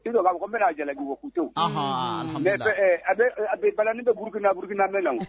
E dɔw b'a ko n'a jala kutu bɛ a bɛ bala ni bɛ burukina burukina mɛn na